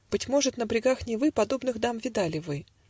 Быть может, на брегах Невы Подобных дам видали вы.